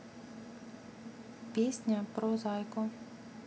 песня про зайку